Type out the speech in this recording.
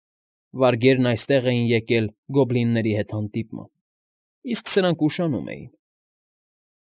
Վարգերն այստեղ էին եկել գոբլինների հետ հանդիպման, իսկ սրանք ուշանում էին։